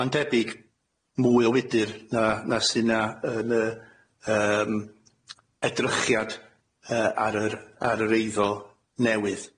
Ma'n debyg mwy o wydyr na na sy'na yn yy yym edrychiad yy ar yr ar yr eiddo newydd.